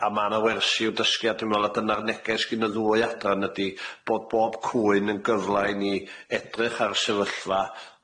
A ma' na wersi i'w dysgu dwi me'wl a dyna'r neges gin y ddwy adran ydi bod bob cwyn yn gyfla i ni edrych ar sefyllfa,